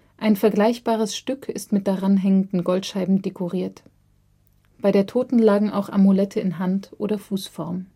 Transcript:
Ein vergleichbares Stück ist mit daran hängenden Goldscheiben dekoriert. Bei der Toten lagen auch Amulette in Hand oder Fußform